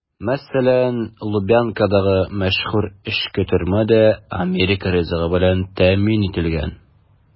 Мәсәлән, Лубянкадагы мәшһүр эчке төрмә дә америка ризыгы белән тәэмин ителгән.